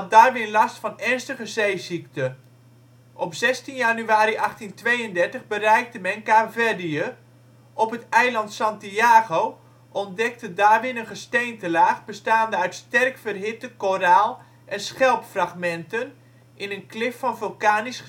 Darwin last van ernstige zeeziekte. Op 16 januari 1832 bereikte men Kaapverdië. Op het eiland Santiago ontdekte Darwin een gesteentelaag bestaande uit sterk verhitte koraal - en schelpfragmenten in een klif van vulkanisch gesteente